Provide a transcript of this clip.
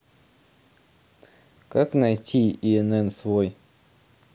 как найти инн свой